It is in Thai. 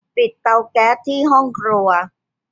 ปิดเตาแก๊สที่ห้องครัว